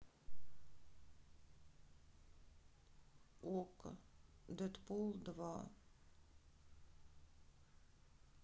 окко дэдпул два